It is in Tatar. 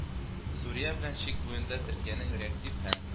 Сүрия белән чик буенда Төркиянең реактив һәм